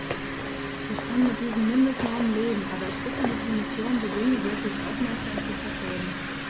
Ich kann mit diesen Mindestnormen leben, aber ich bitte die Kommission, die Dinge wirklich aufmerksam zu verfolgen.